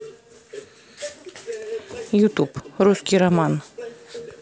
ютуб русский роман